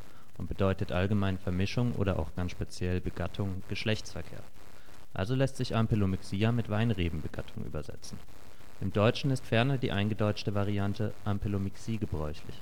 bedeutet allgemein „ Vermischung “oder auch ganz speziell „ Begattung “,„ Geschlechtsverkehr “. Also lässt sich ampelomixia mit „ Weinrebenbegattung “übersetzen. Im Deutschen ist ferner die eingedeutschte Variante Ampelomixie gebräuchlich